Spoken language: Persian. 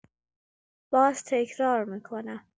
باز تکرار می‌کنم.